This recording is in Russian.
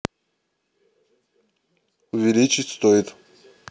увеличить стоит